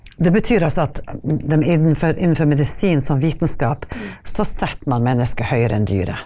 det betyr altså at dem innenfor innenfor medisin som vitenskap, så setter man mennesket høyere enn dyret.